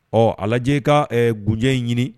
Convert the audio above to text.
Ɔ a lajɛ ka gujɛ ɲini